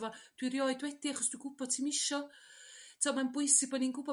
fo dwi 'rioed wedi achos dwi'n gw'bo' ti'm isio to'd ma'n bwysig bo' ni'n gw'bod